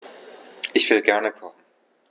Ich will gerne kochen.